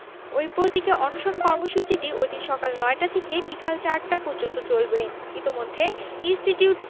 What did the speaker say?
ওই প্রতীকী অনশন কর্মসূচিটি ওইদিন সকাল ৯টা থেকে বিকেল ৪টা পর্যন্ত চলবে ইতোমধ্যে ইন্সটিটিউট